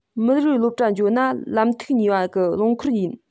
མི རིགས སློབ གྲྭ འགྱོ ན ལམ ཐིག གཉིས བ གི རླངས འཁོར ཡིན